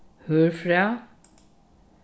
hørfræ